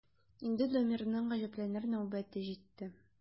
Инде Дамирның гаҗәпләнер нәүбәте җитте.